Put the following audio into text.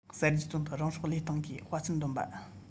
གསར བརྗེའི དོན དུ རང སྲོག བློས བཏང གི དཔའ རྩལ འདོན པ